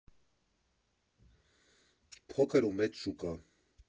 Փոքր ու մեծ շուկա։